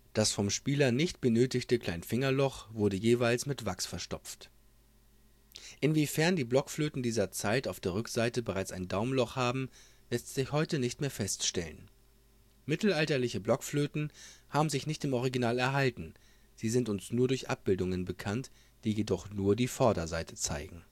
Das vom Spieler nicht benötigte Kleinfingerloch wurde jeweils mit Wachs verstopft. Inwiefern die Blockflöten dieser Zeit auf der Rückseite bereits ein Daumenloch haben, lässt sich heute nicht mehr feststellen. Mittelalterliche Blockflöten haben sich nicht im Original erhalten; sie sind uns nur durch Abbildungen bekannt, die jedoch nur die Vorderseite zeigen